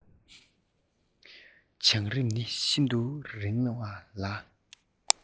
བྱུང རིམ ནི ཤིན ཏུ རིང ལ